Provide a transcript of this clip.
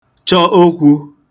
chọ okwū